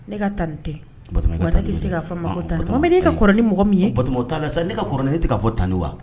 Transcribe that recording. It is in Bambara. Ne ka tan ni tɛ tɛ se' tan bɛ' ka kɔrɔnin mɔgɔ min ye ba t' la sa ne ka kɔrɔɔrɔn ne' fɔ tan ni wa